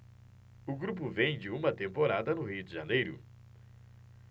o grupo vem de uma temporada no rio de janeiro